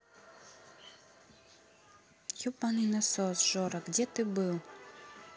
ебаный насос жора где ты был